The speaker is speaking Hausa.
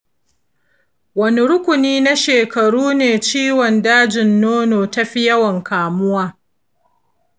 wane rukuni na shekaru ne ciwon dajin nono ta fi yawan kamawa?